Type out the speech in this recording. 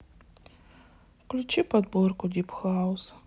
включи подборку дип хаус